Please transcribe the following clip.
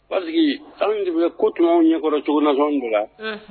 Parceque hali de bɛ. ko tun bi kɛ anw ɲɛkɔrɔ cogo nasɔn dɔ la Unhun